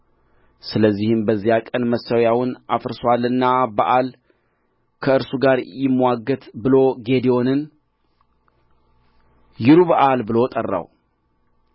ስለዚህም በዚያ ቀን መሠዊያውን አፍርሶአልና በኣል ከእርሱ ጋር ይምዋገት ብሎ ጌዴዎንን ይሩበኣል ብሎ ጠራው